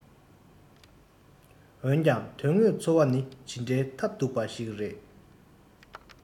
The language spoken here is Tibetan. འོན ཀྱང དོན དངོས འཚོ བ ནི ཇི འདྲའི ཐབས སྡུག པ ཞིག རེད